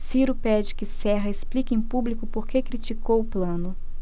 ciro pede que serra explique em público por que criticou plano